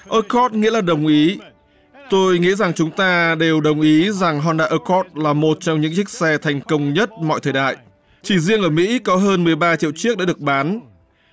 ơ cót nghĩa là đồng ý tôi nghĩ rằng chúng ta đều đồng ý rằng hon đa ác cót là một trong những chiếc xe thành công nhất mọi thời đại chỉ riêng ở mỹ có hơn mười ba triệu chiếc đã được bán